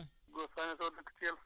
waaw ñu ngi lay ziar bu baax de